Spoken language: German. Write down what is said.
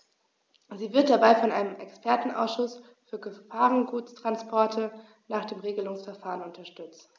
Sie wird dabei von einem Expertenausschuß für Gefahrguttransporte nach dem Regelungsverfahren unterstützt.